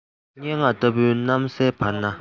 སྙན ངག ལྟ བུའི གནམ སའི བར ནས